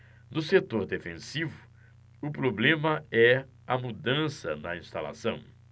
no setor defensivo o problema é a mudança na escalação